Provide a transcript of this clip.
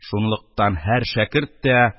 Шунлыктан һәр шәкерт тә,